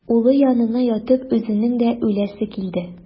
Улы янына ятып үзенең дә үләсе килде.